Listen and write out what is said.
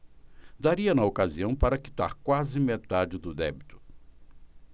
daria na ocasião para quitar quase metade do débito